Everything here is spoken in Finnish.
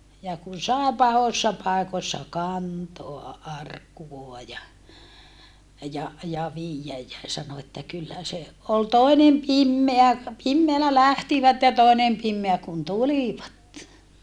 ja kun sai pahoissa paikoissa kantaa arkkua ja ja ja viedä ja sanoi että kyllä se oli toinen pimeä pimeällä lähtivät ja toinen pimeä kun tulivat